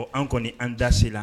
An kɔni an dase la